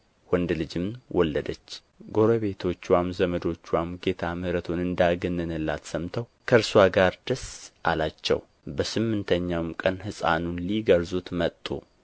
ወንድ ልጅም ወለደች ጎረቤቶችዋም ዘመዶችዋም ጌታ ምሕረቱን እንዳገነነላት ሰምተው ከእርስዋ ጋር ደስ አላቸው በስምንተኛውም ቀን ሕፃኑን ሊገርዙት መጡ